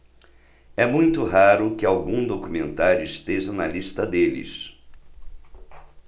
é muito raro que algum documentário esteja na lista deles